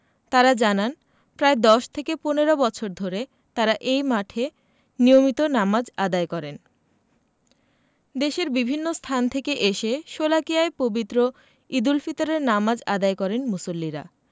তাঁরা জানান প্রায় ১০ থেকে ১৫ বছর ধরে তাঁরা এ মাঠে নিয়মিত নামাজ আদায় করেন দেশের বিভিন্ন স্থান থেকে এসে শোলাকিয়ায় পবিত্র ঈদুল ফিতরের নামাজ আদায় করেন মুসল্লিরা